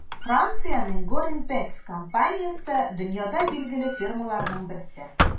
Франциянең Gorimpex компаниясе - дөньяда билгеле фирмаларның берсе.